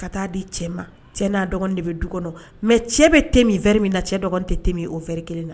Ka taa di cɛ ma cɛ n'a de bɛ du kɔnɔ mɛ cɛ bɛ te min min na cɛ dɔgɔnin tɛ te min o kelen na